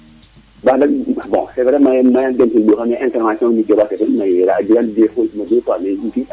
*